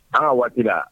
An ka waati la